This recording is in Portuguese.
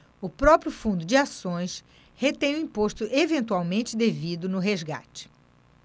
o próprio fundo de ações retém o imposto eventualmente devido no resgate